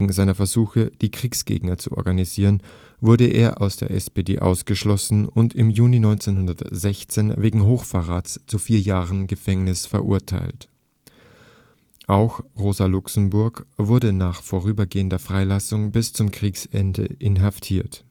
seiner Versuche, die Kriegsgegner zu organisieren, wurde er aus der SPD ausgeschlossen und im Juni 1916 wegen Hochverrats zu vier Jahren Gefängnis verurteilt. Auch Rosa Luxemburg wurde nach vorübergehender Freilassung bis zum Kriegsende inhaftiert